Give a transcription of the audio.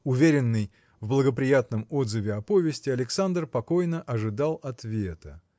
Уверенный в благоприятном отзыве о повести Александр покойно ожидал ответа.